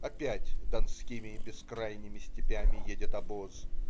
Опять донскими бескрайними степями-едет обоз.